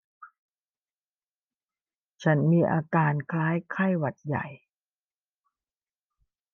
ฉันมีอาการคล้ายไข้หวัดใหญ่